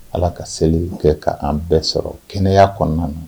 Ala ka seli kɛ ka an bɛɛ sɔrɔ kɛnɛya kɔnɔna na